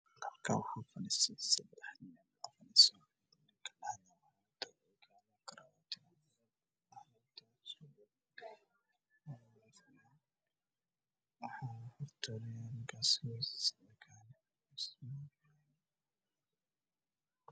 Waa meel xafiis ah xaafadda saddex nin oo wataan waxa ay ku fadhiyaan fadhi ya boqortooyo oo daha